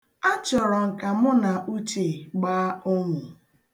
Achọrọ m ka mụ na Uche gbaa onwo.